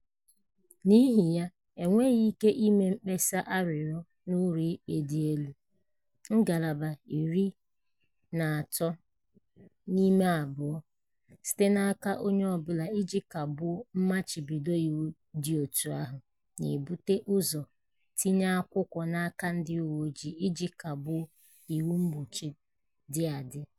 N'ihi ya, "e nweghị ike ime mkpesa arịrịọ n'Ụlọikpe Dị Elu" [Ngalaba 13(2)] site n'aka onye ọ bụla iji kagbuo mmachibido iwu dị otu ahụ na-ebughị ụzọ tinye akwụkwọ n'aka ndị uwe ojii iji kagbuo iwu mgbochi dị adị.